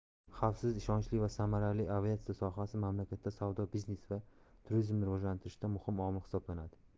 xavfsiz ishonchli va samarali aviatsiya sohasi mamlakatda savdo biznes va turizmni rivojlantirishda muhim omil hisoblanadi